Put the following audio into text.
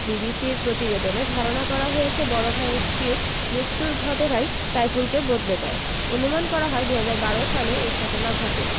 বিবিসির প্রতিবেদনে ধারণা করা হয়েছে বড় ভাইয়ের স্ত্রীর মৃত্যুর ঘটনাই সাইফুলকে বদলে দেয় অনুমান করা হয় ২০১২ সালে এ ঘটনা ঘটে